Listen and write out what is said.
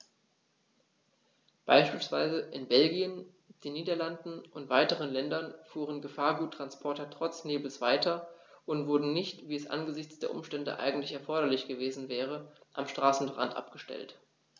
Beispielsweise in Belgien, den Niederlanden und weiteren Ländern fuhren Gefahrguttransporter trotz Nebels weiter und wurden nicht, wie es angesichts der Umstände eigentlich erforderlich gewesen wäre, am Straßenrand abgestellt.